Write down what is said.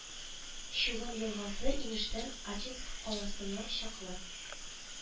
Чулым елгасы, инештән Ачинск каласына чаклы